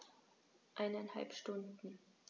Eineinhalb Stunden